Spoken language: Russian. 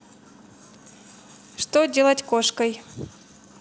что делать кошкой